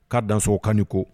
Ka dansonkan ko